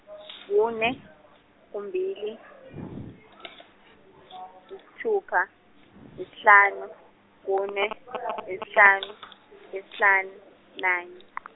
kune, kumbili, isithupha, isihlanu, kune, isihlanu, isihlanu, nane .